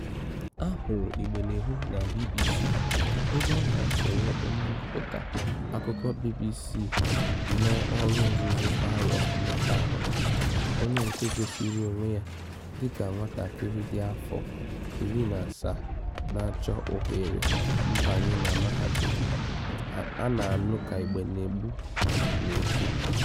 A hụrụ Igbenegbu na BBC ebe ọ na-atụrụ onye ngụpụta akụkọ BBC nọ ọrụ nzuzo aro mmekọahụ, onye nke gosiri onwe ya dị ka nwatakịrị dị afọ 17 na-achọ ohere mbanye na mahadum. A na-anụ ka Igbenegbu na-ekwu: